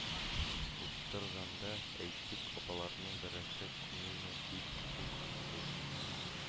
Утырганда, әйтик, апаларның берәрсе күңелемә бик үк хуш